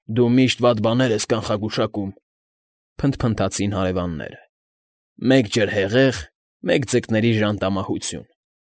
Դու միշտ վատ բաներ ես կանխագուշակում,֊ փնթփնթացին հարևանները։֊ Մեկ ջրհեղեղ, մեկ ձկների ժանտամահություն։